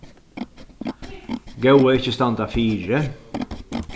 góða ikki standa fyri